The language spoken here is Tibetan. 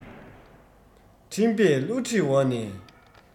འཕྲིན པས བསླུ བྲིད འོག ནས